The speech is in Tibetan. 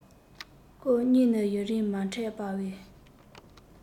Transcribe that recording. ཁོ གཉིས ནི ཡུན རིང མ འཕྲད པའི